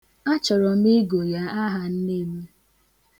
Achọrọ m ịgụ ya aha nne m.